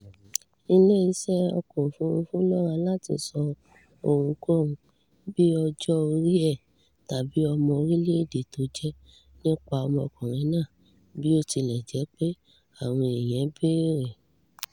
Ilé-iṣẹ́ ọkọ̀-òfúrufú lọ́ra láti sọ ohunkóhun, bíi ọjọ-orí ẹ̀ tàbí ọmọ orílẹ̀-èdè tó jẹ́, nípa ọmọkùnrin náà bí ó tilẹ̀ jẹ́ pé àwọn èèyàn bèrè.